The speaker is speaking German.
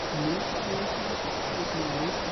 männliche Torhüter fast ausnahmslos